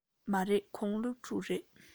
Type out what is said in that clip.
མ རེད ཁོང སློབ ཕྲུག རེད